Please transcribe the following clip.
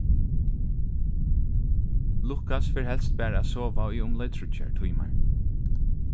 lukas fer helst bara at sova í umleið tríggjar tímar